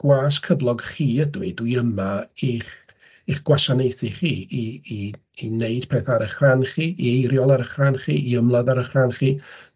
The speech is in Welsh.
Gwas cyflog chi ydw i, dwi yma i'ch i'ch gwasanaethu chi i i i wneud pethau ar eich rhan chi, i eiriol ar eich rhan chi, i ymladd ar eich rhan chi.